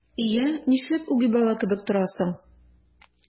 Йә, нишләп үги бала кебек торасың?